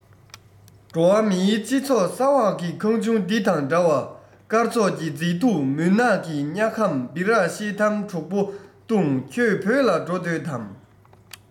འགྲོ བ མིའི སྤྱི ཚོགས ས འོག གི ཁང ཆུང འདི དང འདྲ བ སྐར ཚོགས ཀྱི མཛེས སྡུག མུན ནག གི དམྱལ ཁམས སྦི རག ཤེལ དམ དྲུག པོ བཏུངས ཁྱོད བོད ལ འགྲོ འདོད དམ